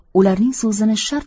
ularning so'zini shartta